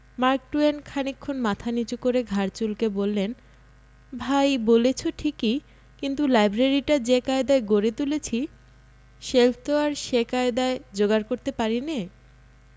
mark Twain খানিকক্ষণ মাথা নিচু করে ঘাড় চুলকে বললেন ভাই বলেছ ঠিকই কিন্তু লাইব্রেরিটা যে কায়দায় গড়ে তুলেছি শেলফ তো আর সে কায়দায় যোগাড় করতে পারি নে